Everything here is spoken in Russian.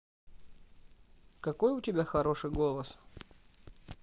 какой у тебя хороший голос